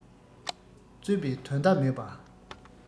རྩོད པའི དོ ཟླ མེད པ